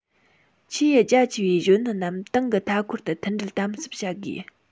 ཆེས རྒྱ ཆེ བའི གཞོན ནུ རྣམས ཏང གི མཐའ འཁོར དུ མཐུན སྒྲིལ དམ ཟབ བྱ དགོས